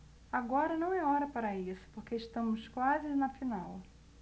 agora não é hora para isso porque estamos quase na final